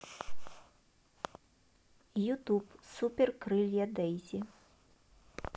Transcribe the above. ютуб супер крылья дейзи